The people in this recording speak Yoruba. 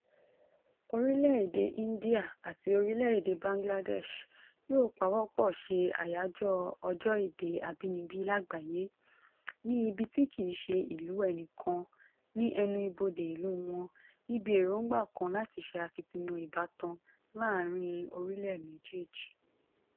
Orílẹ̀-èdè India àti orílẹ̀-èdè Bangladesh yóò pawọ́pọ̀ ṣe àyájọ́ Ọjọ́ Èdè Abínibí Lágbàáyé ní ibi tí kìí se ìlú ẹnìkan ní ẹnu ibodè ìlú wọn, níbi èróńgbà kan láti ṣe akitiyan ìbátan láàárín orílẹ̀ méjèèjì.